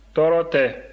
tɔɔrɔ tɛ